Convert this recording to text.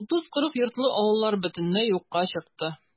30-40 йортлы авыллар бөтенләй юкка чыкты.